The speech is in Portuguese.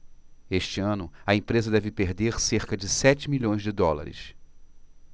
este ano a empresa deve perder cerca de sete milhões de dólares